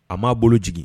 A b'a bolo jigin